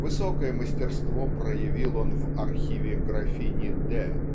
Высокое мастерство проявил он в "Архиве графини Д**"